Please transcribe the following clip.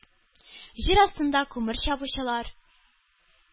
Җир астында күмер чабучылар,